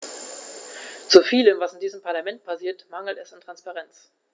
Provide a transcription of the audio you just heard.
Zu vielem, was in diesem Parlament passiert, mangelt es an Transparenz.